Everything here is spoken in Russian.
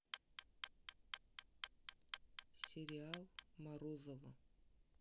сериал морозова